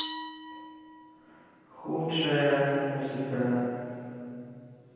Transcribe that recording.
худшая музыка